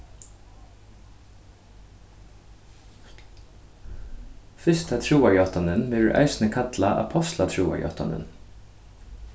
fyrsta trúarjáttanin verður eisini kallað ápostlatrúarjáttanin